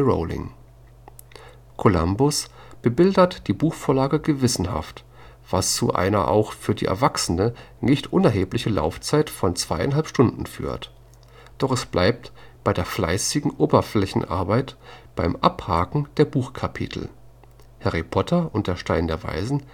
Rowling. […] Columbus bebildert die Buchvorlage gewissenhaft, was zu einer auch für Erwachsene nicht unerheblichen Laufzeit von zweieinhalb Stunden führt. Doch es bleibt bei der fleißigen Oberflächenarbeit, beim Abhaken der Buchkapitel. ‚ Harry Potter und der Stein der Weisen